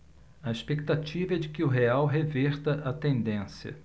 a expectativa é de que o real reverta a tendência